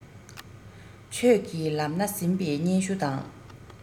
ཆོས ཀྱི ལམ སྣ ཟིན པའི སྙན ཞུ དང